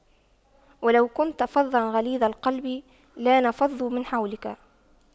وَلَو كُنتَ فَظًّا غَلِيظَ القَلبِ لاَنفَضُّواْ مِن حَولِكَ